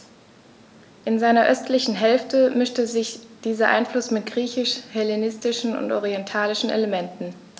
In seiner östlichen Hälfte mischte sich dieser Einfluss mit griechisch-hellenistischen und orientalischen Elementen.